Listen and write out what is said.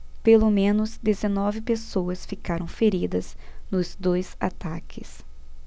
pelo menos dezenove pessoas ficaram feridas nos dois ataques